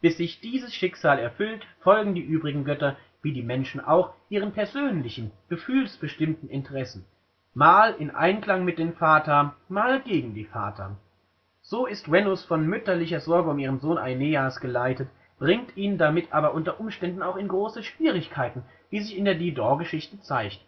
sich dieses Schicksal erfüllt, folgen die übrigen Götter, wie die Menschen auch, ihren persönlichen, gefühlsbestimmten Interessen, mal in Einklang mit den fata, mal gegen die fata. So ist Venus von mütterlicher Sorge um ihren Sohn Aeneas geleitet, bringt ihn damit aber unter Umständen auch in große Schwierigkeiten, wie sich in der Dido-Geschichte zeigt